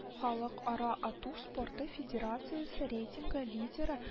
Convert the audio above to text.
Халыкара ату спорты федерациясе рейтингы лидеры